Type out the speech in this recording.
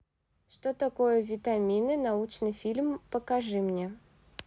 что такое витамины научный фильм покажи мне